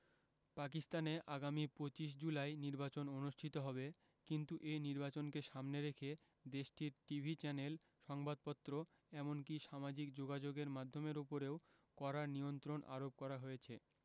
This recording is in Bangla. পাকিস্তানে আগামী ২৫ জুলাই নির্বাচন অনুষ্ঠিত হবে কিন্তু এই নির্বাচনকে সামনে রেখে দেশটির টিভি চ্যানেল সংবাদপত্র এমনকি সামাজিক যোগাযোগের মাধ্যমের উপরেও কড়া নিয়ন্ত্রণ আরোপ করা হয়েছে